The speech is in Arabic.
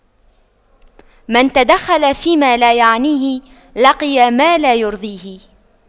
من تَدَخَّلَ فيما لا يعنيه لقي ما لا يرضيه